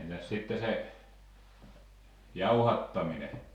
entäs sitten se jauhattaminen